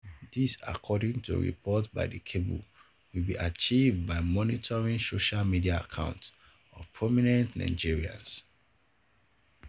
This, according to reports by the Cable, will be achieved by monitoring social media accounts of "prominent Nigerians".